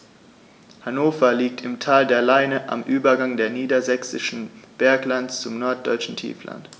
Hannover liegt im Tal der Leine am Übergang des Niedersächsischen Berglands zum Norddeutschen Tiefland.